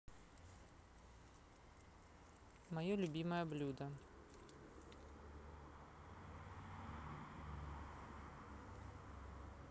мое любимое блюдо